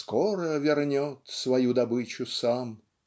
скоро вернет свою добычу сам"